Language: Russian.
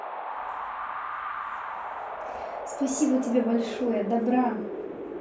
спасибо тебе большое добра